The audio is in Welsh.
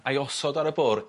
a'i osod ar y bwr'